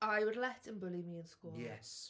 I would let him bully me in school?... Yes!